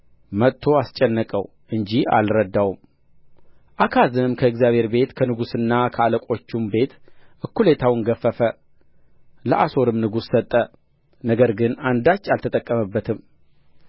መጥቶ አስጨነቀው እንጂ አልረዳውም አካዝም ከእግዚአብሔር ቤት ከንጉሡና ከአለቆቹም ቤት እኵሌታውን ገፈፈ ለአሦርም ንጉሥ ሰጠ ነገር ግን አንዳች አልተጠቀመበትም